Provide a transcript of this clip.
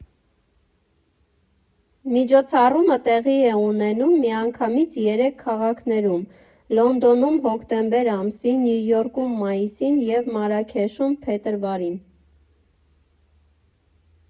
Միջոցառումը տեղի է ունենում միանգամից երեք քաղաքներում՝ Լոնդոնում հոկտեմբեր ամսին, Նյու Յորքում՝ մայիսին և Մարաքեշում՝ փետրվարին։